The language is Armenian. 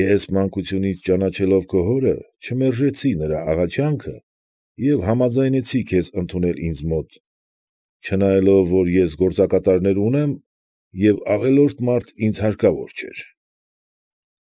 Ես մանկությունից ճանաչելով քո հորը, չմերժեցի նրա աղաչանքը և համաձայնեցի քեզ ընդունել ինձ մոտ, չնայելով որ ես գործակատարներ ունեմ և ավելորդ մարդ ինձ հարկավոր չէր։